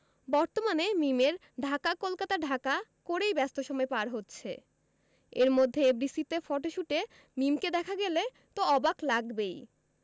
বর্তমানে মিমের ঢাকা কলকাতা ঢাকা করেই ব্যস্ত সময় পার হচ্ছে এরমধ্যে এফডিসিতে ফটোশুটে মিমকে দেখা গেল তো অবাক লাগবেই